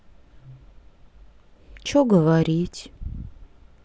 че говорить